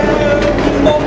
yêu